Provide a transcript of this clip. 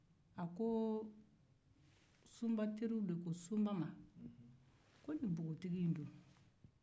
sunba teriw ko sunba ma ko nin npogotigi in dun